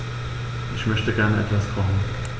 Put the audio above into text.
Ich möchte gerne etwas kochen.